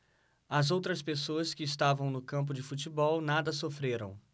as outras pessoas que estavam no campo de futebol nada sofreram